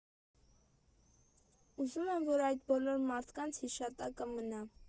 Ուզում եմ, որ այդ բոլոր մարդկանց հիշատակը մնա։